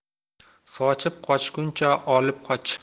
sochib qochguncha olib qoch